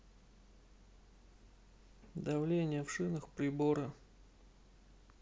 давление в шинах приборы